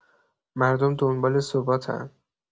مردم دنبال ثباتن.